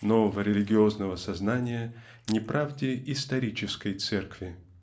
нового религиозного сознания неправде "исторической" церкви.